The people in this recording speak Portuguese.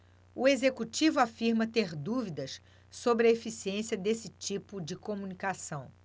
o executivo afirma ter dúvidas sobre a eficiência desse tipo de comunicação